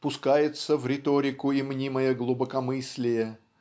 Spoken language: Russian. пускается в риторику и мнимое глубокомыслие